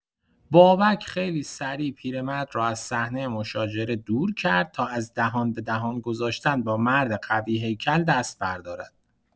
بابک خیلی سریع پیرمرد را از صحنه مشاجره دور کرد تا از دهان‌به‌دهان گذاشتن با مرد قوی‌هیکل دست بردارد.